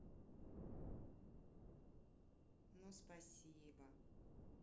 ну спасибо